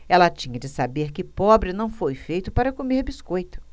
ela tinha de saber que pobre não foi feito para comer biscoito